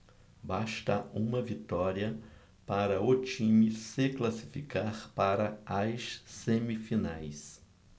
basta uma vitória para o time se classificar para as semifinais